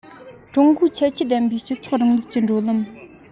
ཀྲུང གོའི ཁྱད ཆོས ལྡན པའི སྤྱི ཚོགས རིང ལུགས ཀྱི འགྲོ ལམ